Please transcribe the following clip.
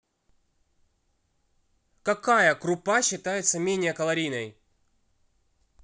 какая крупа считается менее калорийной